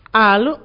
Aa